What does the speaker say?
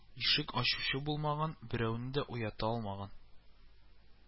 Ишек ачучы булмаган, берәүне дә уята алмаган